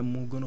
sorgho